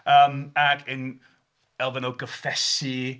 Yym ac yn elfen o gyffesu...